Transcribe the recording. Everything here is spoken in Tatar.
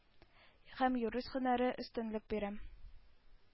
Һәм юрист һөнәренә өстенлек бирә.